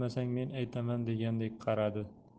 aytmasang men aytaman degandek qaradi